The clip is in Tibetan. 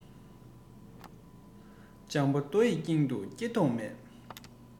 ལྗང པ རྡོ ཡི སྟེང དུ སྐྱེ མདོག མེད